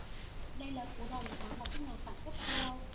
đây là cú đòn giáng vào các nhà sản xuất châu âu